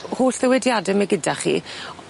Holl ddiwydiade 'ma gyda chi.